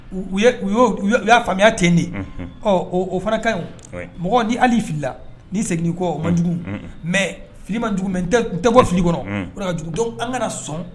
U u y' u y'a faamuyaya ten de ɔ o fana ka mɔgɔ ni hali filila ni'i segin kɔ manjugu mɛ fini manjugu mɛ tɛ bɔ fili kɔnɔ o ka jugu dɔn an kana sɔn